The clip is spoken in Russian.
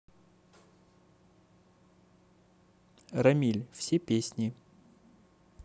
рамиль все песни